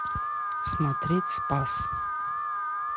смотреть спас